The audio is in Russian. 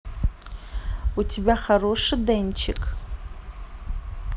у тебя хороший денчик